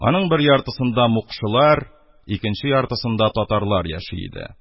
Аның бер яртысында мукшылар, икенче яртысында татарлар яши иде.